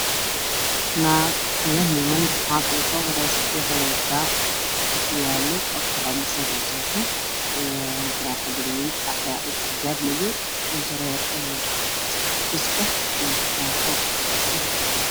Naago meel fadhiya waxay wataan usoo horeyso cabbaayad madow taruxaad cadaab taro xadgudub waxay haysataa tusbax niman ayaa ka dambeeyo